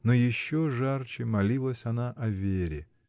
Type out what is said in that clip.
Но еще жарче молилась она о Вере.